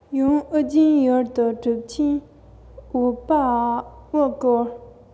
ཡང ཨུ རྒྱན ཡུལ དུ གྲུབ ཆེན བིརྺ པ དབུ བསྐོར